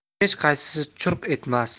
hech qaysisi churq etmas